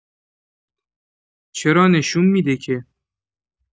چرا نشون می‌ده که